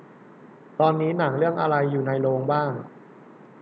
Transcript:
ตอนนี้หนังเรื่องอะไรอยู่ในโรงบ้าง